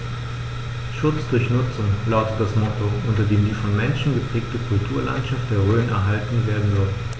„Schutz durch Nutzung“ lautet das Motto, unter dem die vom Menschen geprägte Kulturlandschaft der Rhön erhalten werden soll.